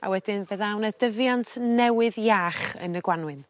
a wedyn fe ddaw 'ne dyfiant newydd iach yn y Gwanwyn.